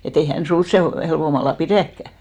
että ei hän sinua sen helpommalla pidäkään